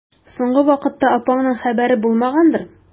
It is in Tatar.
Соңгы вакытта апаңның хәбәре булмагандыр?